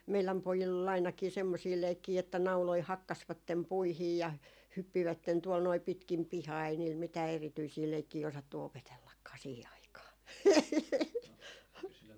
meidän pojilla oli ainakin semmoisia leikkejä että nauloja hakkasivat puihin ja hyppivät tuolla noin pitkin pihaa ei niillä mitään erityisiä leikkejä osattu opetellakaan siihen aikaan